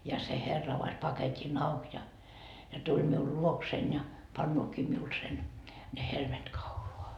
ja se herra avasi paketin auki ja ja tuli minun luokseni ja paneekin minulle sen ne helmet kaulaan